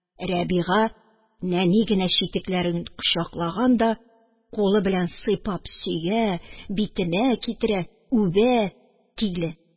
Рәбига, нәни генә читекләрен кочаклаган да, кулы белән сыйпап сөя, битенә китерә, үбә, тиле